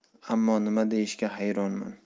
ammo nima deyishga hayronman